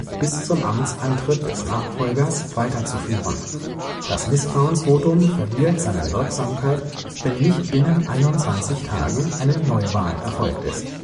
bis zum Amtsantritt des Nachfolgers weiterzuführen. Das Misstrauensvotum verliert seine Wirksamkeit, wenn nicht binnen 21 Tagen eine Neuwahl erfolgt ist